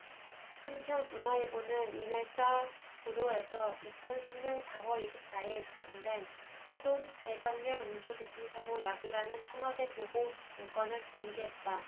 한편 문화일보는 이날자 보도에서 이천 삼 년 사 월 이십 사 일 작성된 사돈 배병렬 음주교통사고 야기라는 청와대 보고 문건을 공개했다